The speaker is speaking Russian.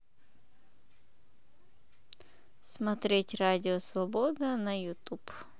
смотреть радио свобода на ютуб